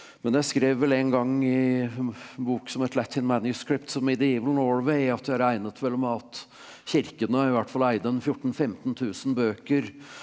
men jeg skrev vel en gang i bok som het Latin Manuscripts of Medieval Norway at jeg regnet vel med at kirkene i hvert fall eide en 14 15000 bøker.